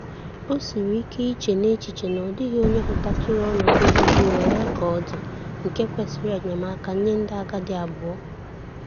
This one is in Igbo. O siri ike iche n'echiche na ọ dịghị onye hụtatụrụ ọnọdụ obibi nwere ka ọ dị nke kwesịrị enyemaka nye ndị agadi abụọ.